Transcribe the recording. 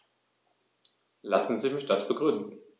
Lassen Sie mich das begründen.